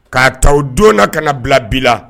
K'a ta o donna kana bila bi la